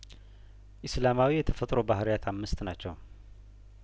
ኢስላማዊ የተፈጥሮ ባህሪያት አምስት ናቸው